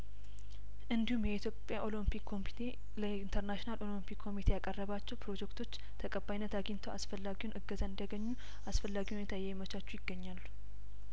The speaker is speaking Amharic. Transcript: እንዲሁም የኢትዮጵያ ኦሎምፒክ ኮሚፒቴ ለኢንተርናሽናል ኦሎምፒክ ኮሚቴ ያቀረባቸው ፕሮጀክቶች ተቀባይነት አግኝተው አስፈላጊውን እገዛ እንዲ ያገኙ አስፈላጊውን ሁኔታ እያመቻቹ ይገኛሉ